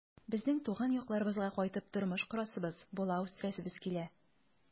Безнең туган якларыбызга кайтып тормыш корасыбыз, бала үстерәсебез килә.